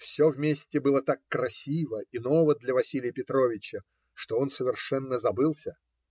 Все вместе было так красиво и ново для Василия Петровича, что он совершенно забылся.